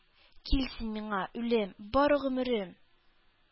Кил син миңа, үлем, бары гомрем